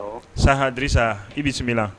Sahadsa i bɛ bisimila